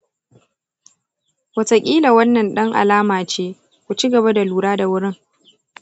wataƙila wannan ɗan alama ce; ku ci gaba da lura da wurin.